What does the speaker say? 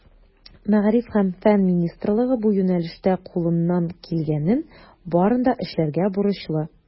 Мәгариф һәм фән министрлыгы бу юнәлештә кулыннан килгәннең барын да эшләргә бурычлы.